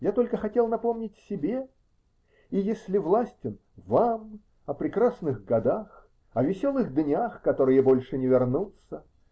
Я только хотел напомнить себе и, если властен, вам о прекрасных годах, о веселых днях, которые больше не вернутся